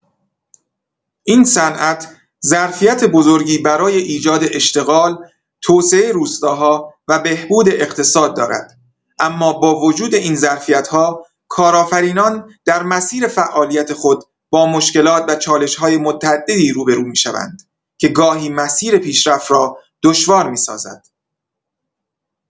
این صنعت ظرفیت بزرگی برای ایجاد اشتغال، توسعه روستاها و بهبود اقتصاد دارد، اما با وجود این ظرفیت‌ها، کارآفرینان در مسیر فعالیت خود با مشکلات و چالش‌های متعددی روبه‌رو می‌شوند که گاهی مسیر پیشرفت را دشوار می‌سازد.